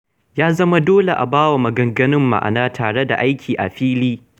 Ya zama dole a ba wa maganganun ma'ana tare da aiki a fili.